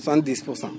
soixante dix pour cent